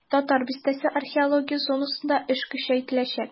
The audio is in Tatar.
"татар бистәсе" археология зонасында эш көчәйтеләчәк.